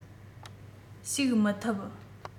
ཞུགས མི ཐུབ